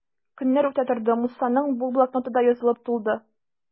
Көннәр үтә торды, Мусаның бу блокноты да язылып тулды.